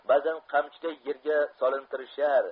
ba'zan qamchiday yerga solintirishar